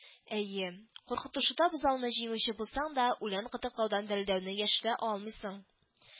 – әйе, куркытышуда бозауны җиңүче булсаң да, үлән кытыклаудан дерелдәүне яшерә алмыйсың)